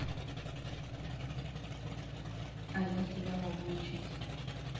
а я тебя могу учить